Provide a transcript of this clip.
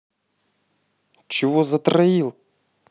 чего затроил